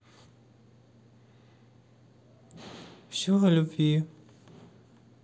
все о любви